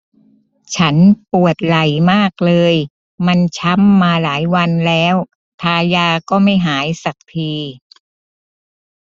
ฉันปวดไหล่มากเลยมันช้ำมาหลายวันแล้วทายาก็ไม่หายสักที